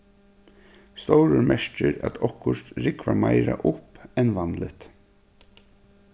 stórur merkir at okkurt rúgvar meira upp enn vanligt